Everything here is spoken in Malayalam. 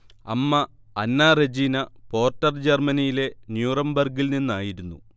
അമ്മ അന്നാ റെജീനാ പോർട്ടർ ജർമ്മനിയിലെ ന്യൂറംബർഗ്ഗിൽ നിന്നായിരുന്നു